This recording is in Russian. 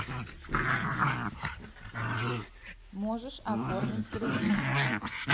можешь оформить кредит